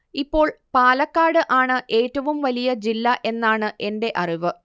ഇപ്പോൾ പാലക്കാട് ആണ് ഏറ്റവും വലിയ ജില്ല എന്നാണ് എന്റെ അറിവ്